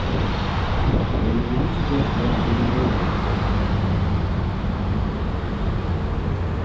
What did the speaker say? hon hevur ikki gjørt tað sum vit bóðu hana gera